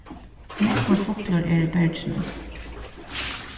nógvur fuglur er í berginum